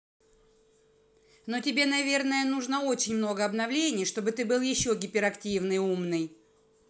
ну тебе наверное нужно очень много обновлений чтобы ты был еще гиперактивный умный